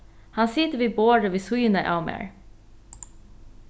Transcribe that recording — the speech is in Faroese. hann situr við borðið við síðuna av mær